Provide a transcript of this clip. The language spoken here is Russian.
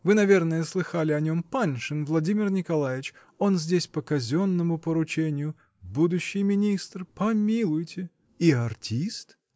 Вы, наверное, слыхали о нем: Паншин, Владимир Николаич, Он здесь по казенному поручению. будущий министр, помилуйте! -- И артист?